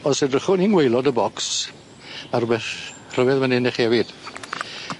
Os edrychwn ni'n ngwaelod y bocs ma' rwbeth rhyfedd fyn 'yn i chi efyd.